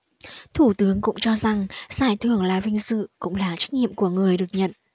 thủ tướng cũng cho rằng giải thưởng là vinh dự cũng là trách nhiệm của người được nhận